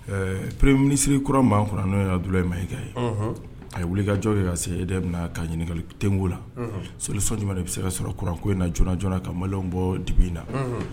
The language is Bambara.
Pere minisiriri kura maa kɔnɔ n'o du in ma e ka ye a ye wuli kajɔ ye ka se e de bɛna ka ɲininka ntko la sosɔn jumɛn de bɛ se ka sɔrɔ kuranko in na jjna ka mali bɔ dugu in na